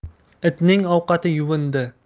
itning ovqati yuvindi